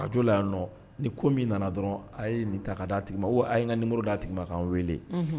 Arajla yan nɔ ni ko min nana dɔrɔn a ye nin ta ka d da tigi ma wa a n ka muruuru da tigi ma k'an weele